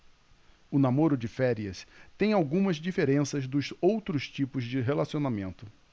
o namoro de férias tem algumas diferenças dos outros tipos de relacionamento